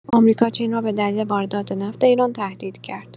آمریکا، چین را به دلیل واردات نفت ایران تهدید کرد